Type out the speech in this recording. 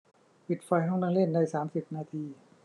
ปิดไฟห้องนั่งเล่นในสามสิบนาที